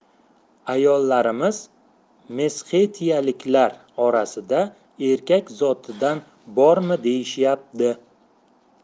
ayollarimiz mesxetiyaliklar orasida erkak zotidan bormi deyishyapti